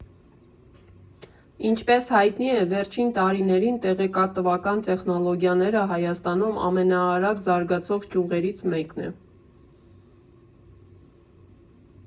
Ինչպես հայտնի է, վերջին տարիներին տեղեկատվական տեխնոլոգիաները Հայաստանում ամենաարագ զարգացող ճյուղերից մեկն է։